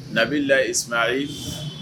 Nabi la is